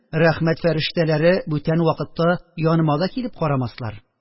Рәхмәт фәрештәләре бүтән вакытта яныма да килеп карамаслар